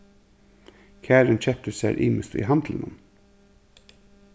karin keypti sær ymiskt í handlinum